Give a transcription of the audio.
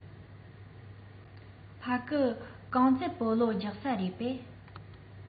ཕ གི རྐང རྩེད སྤོ ལོ རྒྱག ས རེད པས